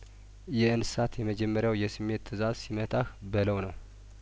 የእንስሳት የመጀመሪያው የስሜት ትእዛዝ ሲመታህ በለው ነው